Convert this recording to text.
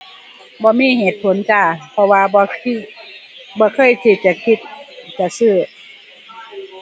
บ่มีเหตุผลจ้า เพราะว่าบ่คิด บ่เคยที่จะคิดจะซื้อ